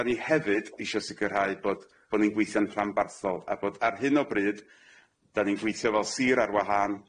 'Dan ni hefyd isho sicirhau bod bo ni'n gweithio'n rhanbarthol a bod ar hyn o bryd 'dan ni'n gweithio fel sir ar wahân.